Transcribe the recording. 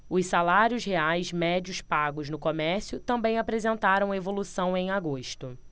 os salários reais médios pagos no comércio também apresentaram evolução em agosto